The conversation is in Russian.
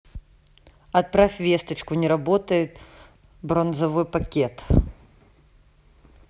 отправь весточку не работает бронзовый пакет